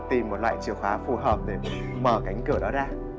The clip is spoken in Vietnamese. tìm một loại chìa khóa phù hợp để mở cánh cửa đó ra